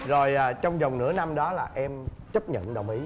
rồi à trong vòng nửa năm đó là em chấp nhận đồng ý